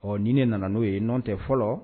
Ɔ ni ne nana n'o ye nɔ tɛ fɔlɔ